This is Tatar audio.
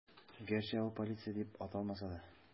Гәрчә ул полиция дип аталмаса да.